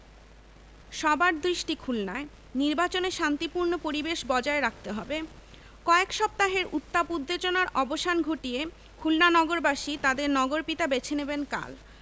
সবার দৃষ্টি খুলনায় নির্বাচনে শান্তিপূর্ণ পরিবেশ বজায় রাখতে হবে কয়েক সপ্তাহের উত্তাপ উত্তেজনার অবসান ঘটিয়ে খুলনা নগরবাসী তাঁদের নগরপিতা বেছে নেবেন কাল